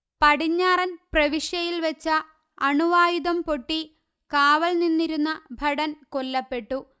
പടിഞ്ഞാറൻപ്രവിശ്യയിൽ വെച്ച അണു ആയുധം പൊട്ടി കാവൽ നിന്നിരുന്ന ഭടൻകൊല്ലപ്പെട്ടു